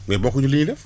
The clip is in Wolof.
mais bokkuñu li ñuy def